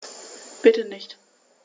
Bitte nicht.